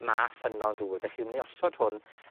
ma ffynnon dŵr felly wi myn' i osod hwn